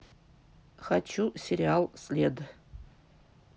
хочу сериал след